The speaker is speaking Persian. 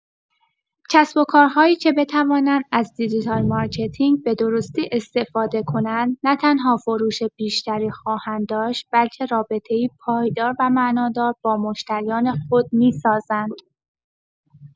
کسب‌وکارهایی که بتوانند از دیجیتال مارکتینگ به‌درستی استفاده کنند، نه‌تنها فروش بیشتری خواهند داشت، بلکه رابطه‌ای پایدار و معنادار با مشتریان خود می‌سازند.